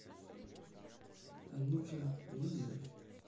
а ну ка видео